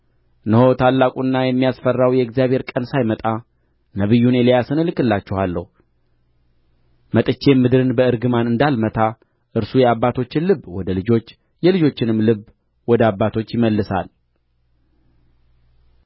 እነሆ ታላቁና የሚያስፈራው የእግዚአብሔር ቀን ሳይመጣ ነቢዩን ኤልያስን እልክላችኋለሁ መጥቼም ምድርን በእርግማን እንዳልመታ እርሱ የአባቶችን ልብ ወደ ልጆች የልጆችንም ልብ ወደ አባቶች ይመልሳል